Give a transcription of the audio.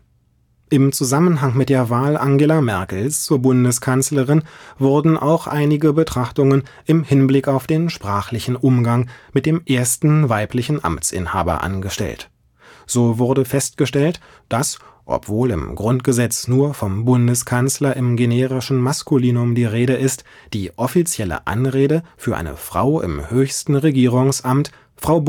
Im Zusammenhang mit der Wahl Angela Merkels zur Bundeskanzlerin wurden auch einige Betrachtungen im Hinblick auf den sprachlichen Umgang mit dem ersten weiblichen Amtsinhaber angestellt. So wurde festgestellt, dass – obwohl im Grundgesetz nur vom „ Bundeskanzler “im generischen Maskulinum die Rede ist – die offizielle Anrede für eine Frau im höchsten Regierungsamt „ Frau